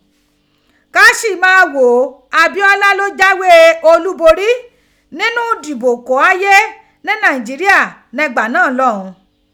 Káṣìmaghòó Abíọ́lá ló jághé olúborí nínú ìdìbò kó gháyé ní Nàìjíríà nígbà ni lọ́hùn.